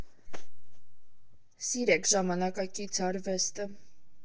Սիրեք ժամանակակից արվեստը։